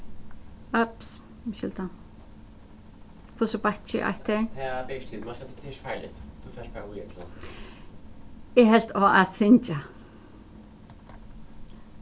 eg helt á at syngja